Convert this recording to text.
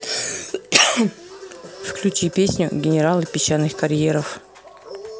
включи песню генералы песчаных карьеров